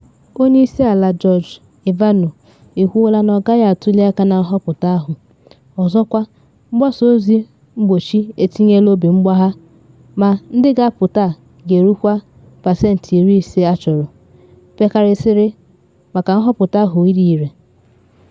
Onye Isi Ala Gjorge Ivanov ekwuola na ọ gaghị atuli aka na nhọpụta ahụ, ọzọkwa mgbasa ozi mgbochi etinyela obi mgbagha ma ndị ga-apụta a ga-erukwa pasentị 50 achọrọ pekarịsịrị maka nhọpụta ahụ ịdị ire.